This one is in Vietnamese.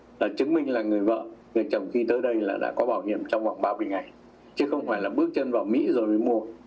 là chứng minh là người vợ người chồng khi tới đây là đã có bảo hiểm trong vòng ba mươi ngày chứ không phải là bước chân vào mỹ rồi mới mua